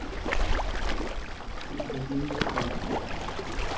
убери этаж